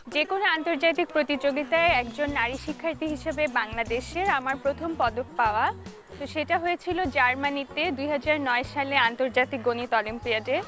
যেকোনো আন্তর্জাতিক প্রতিযোগিতায় একজন নারী শিক্ষার্থী হিসেবে বাংলাদেশের আমার প্রথম পদক পাওয়া তো সেটা হয়েছিল জার্মানিতে ২০০৯ সালে আন্তর্জাতিক গণিত অলিম্পিয়াডে